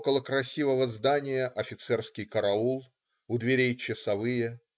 Около красивого здания офицерский караул. У дверей часовые.